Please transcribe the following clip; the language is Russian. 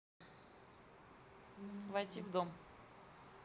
войти в дом